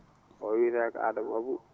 o wiyetee ko Adama Abou